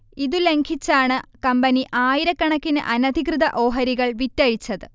ഇതു ലംഘിച്ചാണ് കമ്പനി ആയിരക്കണക്കിന് അനധികൃത ഓഹരികൾ വിറ്റഴിച്ചത്